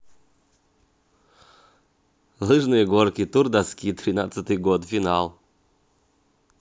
лыжные гонки тур доски тринадцатый год финал